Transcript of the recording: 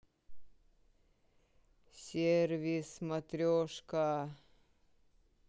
сервис матрешка